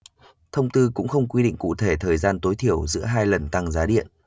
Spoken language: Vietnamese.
thông tư cũng không quy định cụ thể thời gian tối thiểu giữa hai lần tăng giá điện